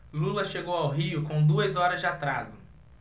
lula chegou ao rio com duas horas de atraso